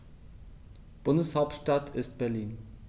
Bundeshauptstadt ist Berlin.